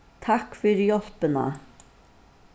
takk fyri hjálpina